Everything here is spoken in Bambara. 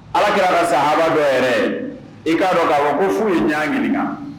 Ala kɛrara sa ha bɛɛ yɛrɛ i k'a dɔn k'a fɔ ko foyi ye ɲ ɲininka